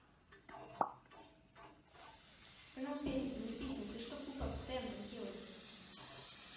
канал пятница не песня ты что глупая постоянно так делаешь